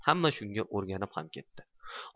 hamma shunga o'rganib ham ketdi